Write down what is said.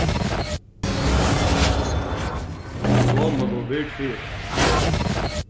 hetta er ein gomul og vird fyritøka